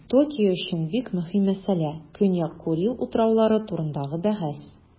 Токио өчен бик мөһим мәсьәлә - Көньяк Курил утраулары турындагы бәхәс.